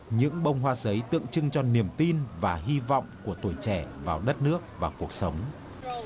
những bông hoa giấy tượng trưng cho niềm tin và hy vọng của tuổi trẻ vào đất nước vào cuộc sống